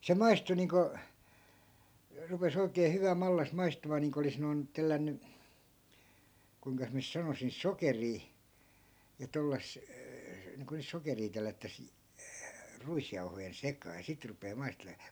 se maistui niin kuin rupesi oikein hyvä mallas maistumaan niin kuin olisi noin tellännyt kuinkas minä nyt sanoisin sokeria ja - niin kuin nyt sokeria tellättäisiin ruisjauhojen sekaan ja sitten rupeaa maistelemaan